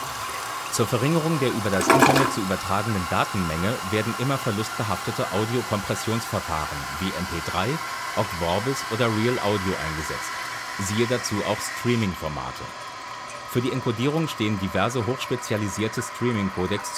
Zur Verringerung der über das Internet zu übertragenden Datenmenge werden immer verlustbehaftete Audiokompressionsverfahren wie MP3, Ogg Vorbis oder Real Audio eingesetzt (siehe Streaming-Formate); für die Encodierung stehen diverse hochspezialisierte Streaming-Codecs